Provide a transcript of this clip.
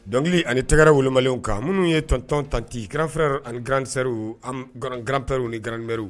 Dɔnkili ani tɛgɛɛrɛ wolomaw kan minnu ye tɔn9 1teranpɛrɛ garanransɛrranpreraw ni garanranmeriw